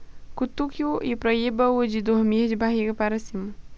cutuque-o e proíba-o de dormir de barriga para cima